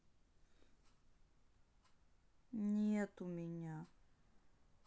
нет у меня